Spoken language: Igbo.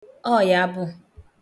ọyabụ̄